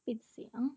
ปิดเสียง